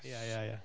Ia ia ia .